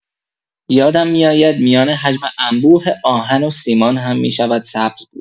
یادم می‌آید میان حجم انبوه آهن و سیمان هم می‌شود سبز بود.